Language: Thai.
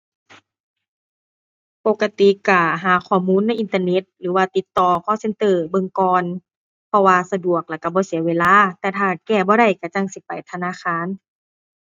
ปกติก็หาข้อมูลในอินเทอร์เน็ตหรือว่าติดต่อ call center เบิ่งก่อน เพราะว่าสะดวกแล้วก็บ่เสียเวลาแต่ถ้าแก้บ่ได้ก็จั่งสิไปธนาคาร